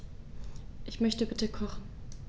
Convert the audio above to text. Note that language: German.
Ich möchte bitte kochen.